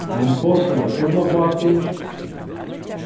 ein posa av eplabátum